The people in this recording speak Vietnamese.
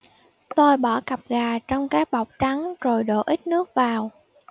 tôi bỏ cặp gà trong cái bọc trắng rồi đổ ít nước vào